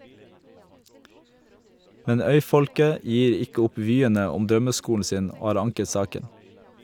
Men øyfolket gir ikke opp vyene om drømmeskolen sin, og har anket saken.